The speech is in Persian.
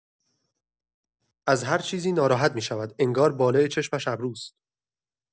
از هر چیزی ناراحت می‌شود، انگار بالای چشمش ابروست!